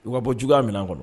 U ka bɔ juguya minan kɔnɔ